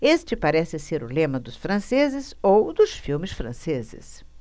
este parece ser o lema dos franceses ou dos filmes franceses